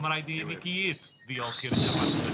Mae'n rhaid i ni i gyd ddiolch i Richard Martin.